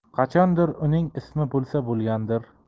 qachondir uning ismi bo'lsa bo'lgandir